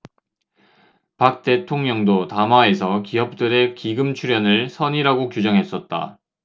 박 대통령도 담화에서 기업들의 기금 출연을 선의라고 규정했었다